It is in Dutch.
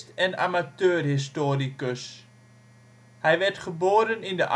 en amateur-historicus. Hij werd geboren in de